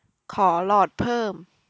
ขอหลอดเพิ่ม